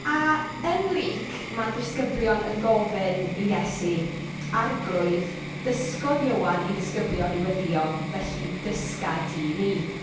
A yn Luc, mae'r disgyblion yn gofyn i Iesu, "Arglwydd, dysgodd Ioan ei ddisgyblion i weddïo, felly dysga di ni."